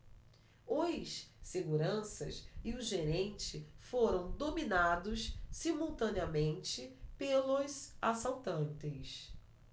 os seguranças e o gerente foram dominados simultaneamente pelos assaltantes